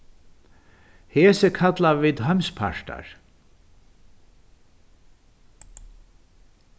hesi kalla vit heimspartar